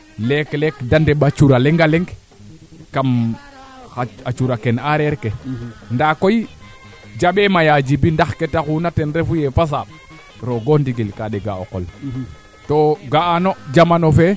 a ref jafe jafe keene i ne'a o ndeeta ngaan a jega axole de leyaa law Modou Faye fene a neeraan kaa xooxan